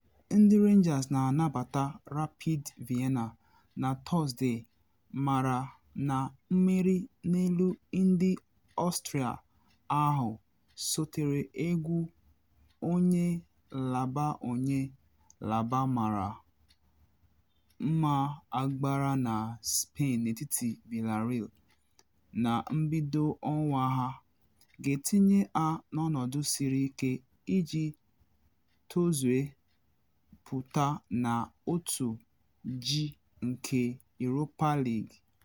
Ndị Rangers na anabata Rapid Vienna na Tọsde, mara na mmeri n’elu ndị Austria ahụ, sotere egwu onye laba onye laba mara mma agbara na Spain n’etiti Villareal na mbido ọnwa a, ga-etinye ha n’ọnọdụ siri ike iji tozue pụta na Otu G nke Europa League.